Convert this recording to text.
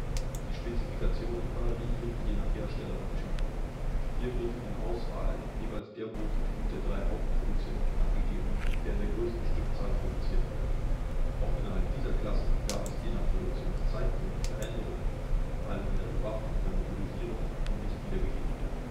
Die Spezifikationen variieren je nach Hersteller und Typ. Hier wird in Auswahl jeweils der Bootstyp der drei Hauptproduzenten angegeben, der in der größten Stückzahl produziert wurde. Auch innerhalb dieser Klassen gab es je nach Produktionszeitpunkt Veränderungen vor allem in der Bewaffnung und Motorisierung, die nicht wiedergegeben werden